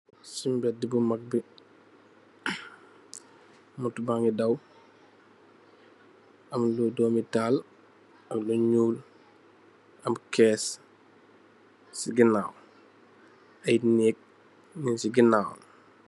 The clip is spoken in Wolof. Si mbedd bu magg bi, moto ba ngi daw, am lu doomtaal, ak lu nyuul, am kees si ganaaw, ay neeg nyu si ganaawam.